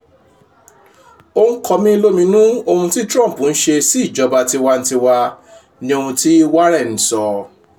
“Ó ń kan mí lóminú ohun tí Trump ń ṣe sí ìjọba tiwantiwa” ni ohun tí Warren sọ.